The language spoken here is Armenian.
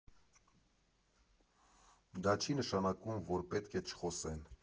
Դա չի նշանակում, որ պետք է չխոսեն։